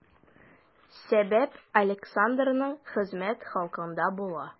Сәбәп Александрның хезмәт хакында була.